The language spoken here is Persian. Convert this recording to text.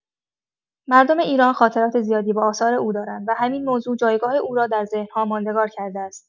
مردم ایران خاطرات زیادی با آثار او دارند و همین موضوع جایگاه او را در ذهن‌ها ماندگار کرده است.